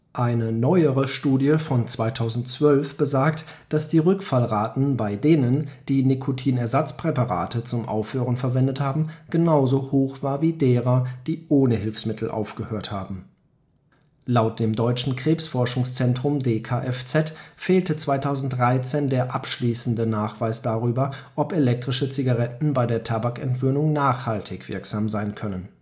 Eine neuere Studie von 2012 besagt, dass die Rückfallraten bei denen, die Nikotinersatzpräparate zum Aufhören verwendet haben, genau so hoch war wie derer, die ohne Hilfsmittel aufgehört haben. Laut DKFZ fehlte 2013 der abschließende Nachweis darüber, ob elektrische Zigaretten bei der Tabakentwöhnung nachhaltig wirksam sein können